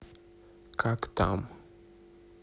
как там